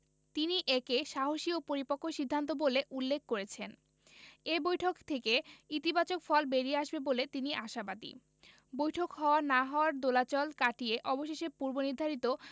তিনি একে সাহসী ও পরিপক্ব সিদ্ধান্ত বলে উল্লেখ করেছেন এ বৈঠক থেকে ইতিবাচক ফল বেরিয়ে আসবে বলে তিনি আশাবাদী বৈঠক হওয়া না হওয়ার দোলাচল কাটিয়ে অবশেষে পূর্বনির্ধারিত